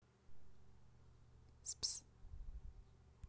спс